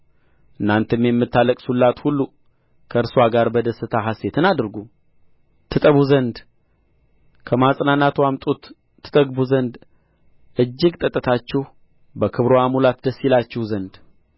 እናንተም የምታለቅሱላት ሁሉ ከእርስዋ ጋር በደስታ ሐሤትን አድርጉ ትጠቡ ዘንድ ከማጽናናትዋም ጡት ትጠግቡ ዘንድ እጅግ ጠጥታችሁ በክብርዋ ሙላት ደስ ይላችሁ ዘንድ